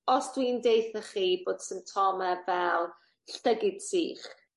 os dwi'n deutho chi bod symptome fel llygid sych